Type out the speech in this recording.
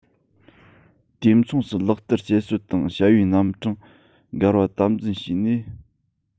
དུས མཚུངས སུ ལག བསྟར བྱེད སྲོལ དང བྱ བའི རྣམ གྲངས དགར བ དམ འཛིན བྱས ནས